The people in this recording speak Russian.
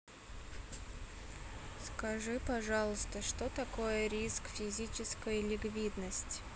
скажи пожалуйста что такое риск физической ликвидность